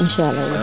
inchaala